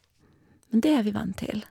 Men det er vi vant til.